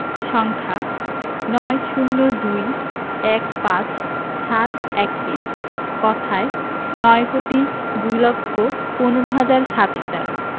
সংখ্যাঃ ৯ ০২ ১৫ ৭১৩ কথায়ঃ নয় কোটি দুই লক্ষ পনেরো হাজার সাতশো তেরো